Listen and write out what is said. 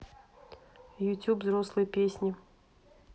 ютюб взрослые песни